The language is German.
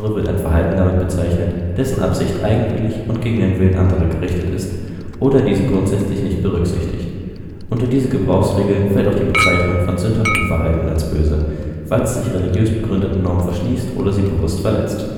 wird ein Verhalten damit bezeichnet, dessen Absicht eigenwillig und gegen den Willen anderer gerichtet ist oder diesen grundsätzlich nicht berücksichtigt. Unter diese Gebrauchsregel fällt auch die Bezeichnung von sündhaftem Verhalten als böse, falls es sich religiös begründeten Normen verschließt oder sie bewusst verletzt